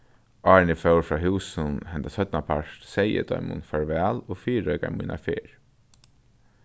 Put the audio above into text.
áðrenn eg fór frá húsum henda seinnapart segði eg teimum farvæl og fyrireikaði mína ferð